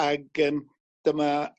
Ag yym dyma